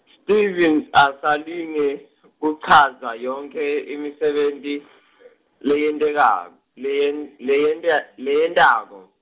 Stevens asalinge, kuchaza yonkhe imisebenti , leyentekak-, leyen- leyenta- layentako.